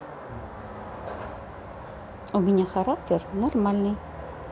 у меня характер нармальный